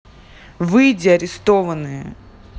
выйди арестованные